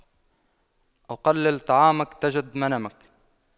أقلل طعامك تجد منامك